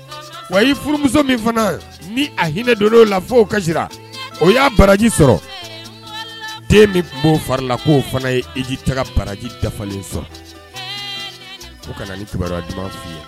Wa i furumuso min fana ni a hinɛ don la ka o y'a baraji sɔrɔ den bɛ'o fari la k'o fana ye eji baraji dafalen sɔrɔ kana na ni kibaruya f ye